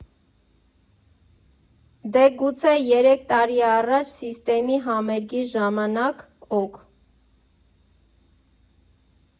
Դե, գուցե երեք տարի առաջ Սիսթեմի համերգի ժամանակ, օք։